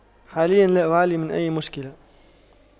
حاليا لا أعاني من أي مشكلة